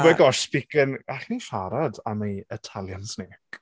My gosh speaking... allwn ni siarad am ei Italian Snake?